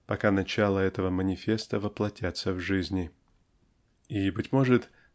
пока начала этого манифеста воплотятся в жизни. И быть может